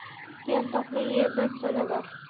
yantoqli yerda so'na bor